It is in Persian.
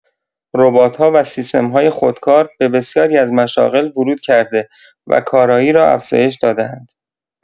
ربات‌ها و سیستم‌های خودکار به بسیاری از مشاغل ورود کرده و کارایی را افزایش داده‌اند.